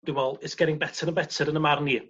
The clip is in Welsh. dwi me'wl i's gerring better an' better yn 'ym marn i.